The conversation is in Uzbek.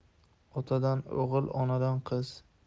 otadan o'g'il onadan qiz